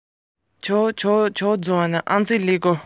དུས གང ཙམ སོང བ མ ཤེས པར